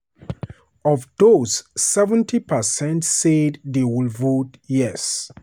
Of those, 70 percent said they would vote yes.